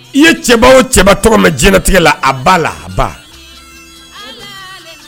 I ye cɛba o cɛbaba tɔgɔ ma jinɛtigɛ la a ba la a ba